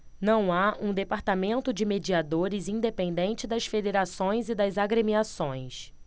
não há um departamento de mediadores independente das federações e das agremiações